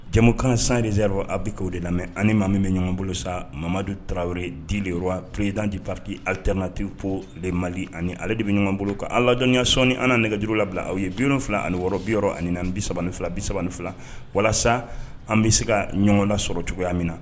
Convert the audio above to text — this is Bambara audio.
Jamumukan sanze a bi' de la ani maa min bɛ ɲɔgɔn bolo sa mamadu tarawele di de pyedtan di pariki aw tamatip de mali ani ale de bɛ ɲɔgɔn bolo ka ala lajya sɔni an nɛgɛjuru labila aw ye bi fila ani wɔɔrɔ biyɔrɔ ani na bi3 ni fila bi3 fila walasa an bɛ se ka ɲɔgɔn da sɔrɔ cogoya min na